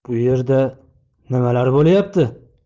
bu yerda nimalar bo'layapti